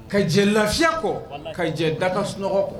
Ka jɛn lafiya kɔ, ka jɛn dakasunɔgɔ kɔ